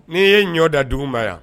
N'i ye ɲɔ da dugu ma yan